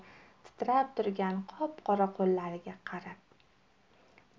titrab turgan qop qora qo'llariga qarab